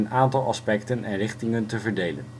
aantal aspecten en richtingen te verdelen